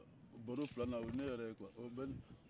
baro filanan o ye ne yɛrɛ ye quoi